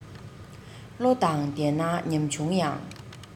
བློ དང ལྡན ན ཉམ ཆུང ཡང